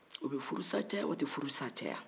o bɛ furusa caya wa o tɛ furusa caya